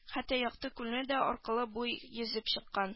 Хәтта яктыкүлне дә аркылы-буй йөзеп чыккан